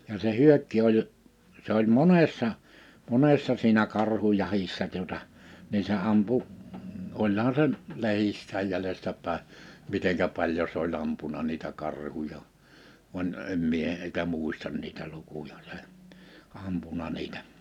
ja se Hyökki oli se oli monessa monessa siinä karhujahdissa tuota niin se ampui olihan se - lehdissä jäljestä päin miten paljon se oli ampunut niitä karhuja vaan en minä heitä muista niitä lukuja se ampunut niitä